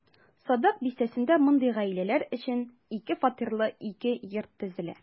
Садак бистәсендә мондый гаиләләр өчен ике фатирлы ике йорт төзелә.